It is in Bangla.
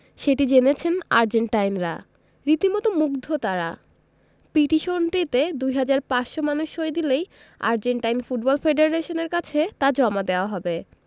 সেটি জেনেছেন আর্জেন্টাইনরা রীতিমতো মুগ্ধ তাঁরা পিটিশনটিতে ২ হাজার ৫০০ মানুষ সই দিলেই আর্জেন্টাইন ফুটবল ফেডারেশনের কাছে তা জমা দেওয়া হবে